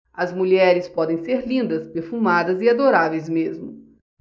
as mulheres podem ser lindas perfumadas e adoráveis mesmo